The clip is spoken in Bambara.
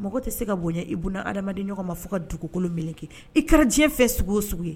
Mɔgɔ tɛ se ka bonya i bɛ adamadamaden ɲɔgɔn ma fo ka dugukolo min kɛ i kɛra diɲɛ fɛ sogo o sugu ye